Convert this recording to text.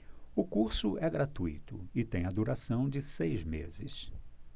o curso é gratuito e tem a duração de seis meses